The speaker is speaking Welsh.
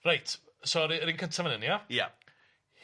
Reit so 'r u- yr un cynta man 'yn ia? Ia.